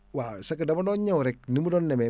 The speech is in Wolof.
waaw c' est !fra que dama doon ñëw rekni mu doon demee